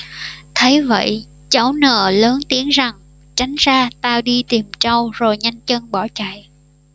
thấy vậy cháu n lớn tiếng rằng tránh ra tao đi tìm trâu rồi nhanh chân bỏ chạy